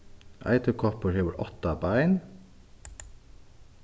eiturkoppur hevur átta bein